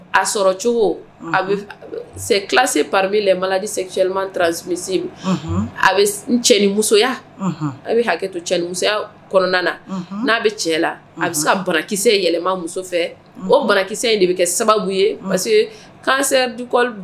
Aya a hakɛ cɛmusoya kɔnɔna na n'a bɛ cɛ la a bɛ se ka banakisɛ yɛlɛma muso fɛ o banakisɛ in de bɛ kɛ sababu ye parce kan